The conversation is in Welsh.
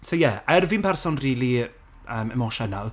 so ie, er fi'n person rili, yym, emotional